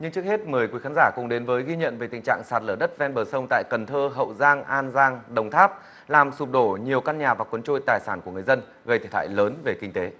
nhưng trước hết mời quý khán giả cùng đến với ghi nhận về tình trạng sạt lở đất ven bờ sông tại cần thơ hậu giang an giang đồng tháp làm sụp đổ nhiều căn nhà và cuốn trôi tài sản của người dân gây thiệt hại lớn về kinh tế